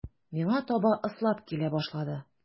Миңа таба ыслап килә башлады.